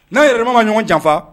N'an yɛrɛ dama ma ɲɔgɔn janfa